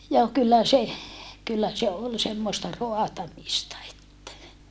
joo kyllä se kyllä se oli semmoista raatamista että